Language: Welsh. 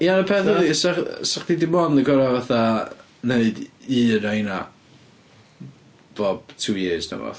Ia'r peth ydy, 'sa 'sa chdi dim ond yn gorfod fatha wneud un o rheina bob two years neu rywbath.